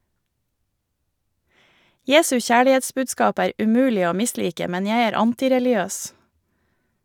Jesu kjærlighetsbudskap er umulig å mislike, men jeg er antireligiøs.